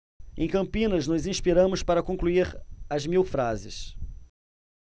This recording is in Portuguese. em campinas nos inspiramos para concluir as mil frases